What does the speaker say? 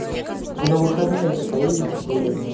вы на выходные то поедете в деревне